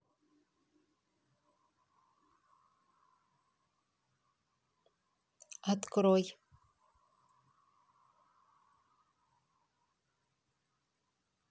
открой